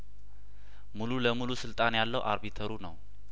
ሙሉ ለሙሉ ስልጣን ያለው አርቢተሩ ነው